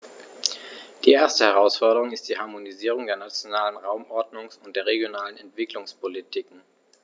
Die erste Herausforderung ist die Harmonisierung der nationalen Raumordnungs- und der regionalen Entwicklungspolitiken.